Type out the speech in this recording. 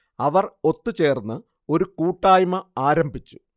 അവർ ഒത്തു ചേർന്ന് ഒരു കൂട്ടായ്മ ആരംഭിച്ചു